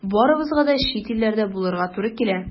Барыбызга да чит илләрдә булырга туры килә.